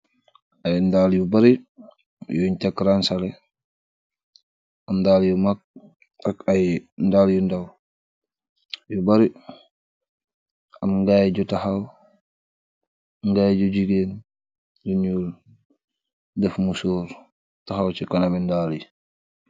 Ay ndaal yu bari yuñ càkkraan sale am ndaal yu mag ak ay ndaal yu ndaw yu bari am ngaay ju taxaw ngaay ju jigeen yuñul def mu soor taxaw ci kona mindaal yi.